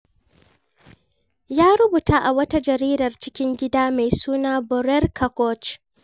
Ya rubuta a wata jaridar cikin gida mai suna Bhorer Kagoj: